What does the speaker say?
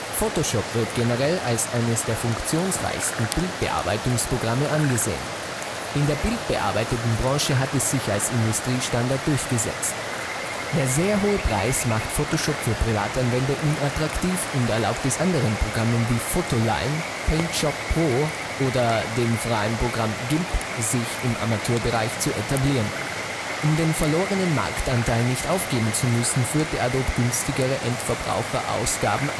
Photoshop wird generell als eines der funktionsreichsten Bildbearbeitungsprogramme angesehen. In der bildverarbeitenden und - bearbeitenden Branche hat es sich als Industriestandard durchgesetzt. Der sehr hohe Preis macht das Programm für Privatanwender unattraktiv und erlaubte es anderen Programmen wie PhotoLine, Paint Shop Pro oder dem freien Programm GIMP, sich im Amateurbereich zu etablieren. Um den verlorenen Marktanteil nicht aufgeben zu müssen, führte Adobe günstigere Endverbraucher-Ausgaben